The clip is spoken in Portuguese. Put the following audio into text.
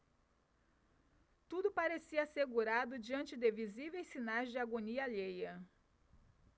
tudo parecia assegurado diante de visíveis sinais de agonia alheia